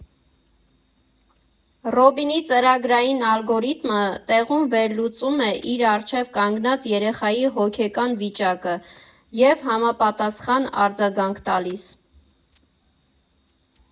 Ռոբինի ծրագրային ալգորիթմը տեղում վերլուծում է իր առջև կանգնած երեխայի հոգեկան վիճակը և համապատասխան արձագանք տալիս։